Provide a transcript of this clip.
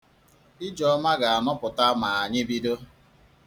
Ijeoma ga-anọpụta ma anyị bido.